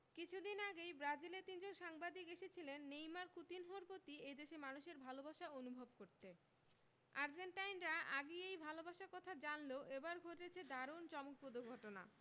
কিছুদিন আগেই ব্রাজিলের তিনজন সাংবাদিক এসেছিলেন নেইমার কুতিনহোর প্রতি এ দেশের মানুষের ভালোবাসা অনুভব করতে আর্জেন্টাইনরা আগেই এই ভালোবাসার কথা জানলেও এবার ঘটেছে দারুণ চমকপ্রদ ঘটনা